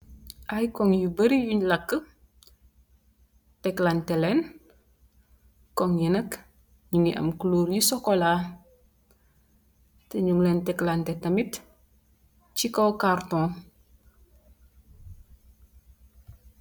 Aye kung yu bari yun lakuh teklante len kung yi mungi am couleur yu chocola ta nyungi teklante si kaw carton